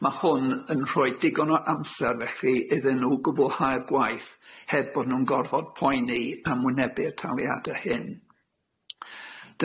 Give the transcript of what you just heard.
Ma' hwn yn rhoi digon o amser felly iddyn nw gwblhau'r gwaith heb bo nw'n gorfod poini am wynebu'r taliade hyn.